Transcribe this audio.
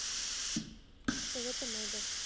советы мэйбл